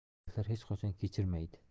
zaiflar hech qachon kechirmaydi